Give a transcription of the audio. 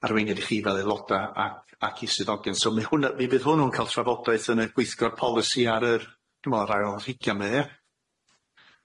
arweiniad i chi fel aeloda ac ac i swyddogion so ma' hwnna mi fydd hwnnw'n ca'l trafodaeth yn y gweithgor polisi ar yr t'mod ar yr ail ar hugian yma ia?